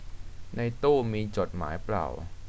ในตู้มีจดหมายเปล่า